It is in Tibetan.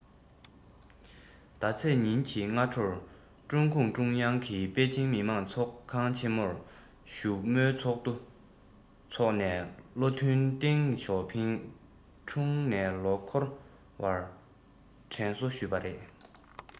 ཟླ ཚེས ཉིན གྱི སྔ དྲོར ཀྲུང གུང ཀྲུང དབྱང གིས པེ ཅིང མི དམངས ཚོགས ཁང ཆེ མོར བཞུགས མོལ ཚོགས འདུ འཚོགས ནས བློ མཐུན ཏེང ཞའོ ཕིང འཁྲུངས ནས ལོ འཁོར བར དྲན གསོ ཞུས པ རེད